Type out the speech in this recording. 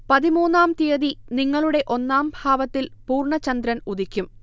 പതിമൂന്നാം തീയതി നിങ്ങളുടെ ഒന്നാം ഭാവത്തിൽ പൂർണ ചന്ദ്രൻ ഉദിക്കും